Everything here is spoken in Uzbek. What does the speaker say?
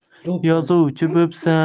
yozuvchi bo'psan